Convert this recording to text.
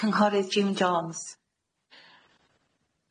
Cynghorydd Jim Jones.